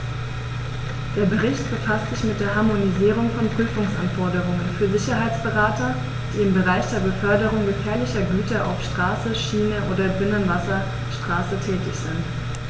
Der Bericht befasst sich mit der Harmonisierung von Prüfungsanforderungen für Sicherheitsberater, die im Bereich der Beförderung gefährlicher Güter auf Straße, Schiene oder Binnenwasserstraße tätig sind.